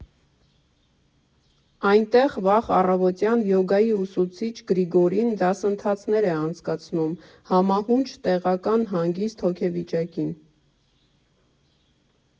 Այնտեղ վաղ առավոտյան յոգայի ուսուցիչ Գրիգորին դասընթացներ է անցկացնում՝ համահունչ տեղական հանգիստ հոգեվիճակին։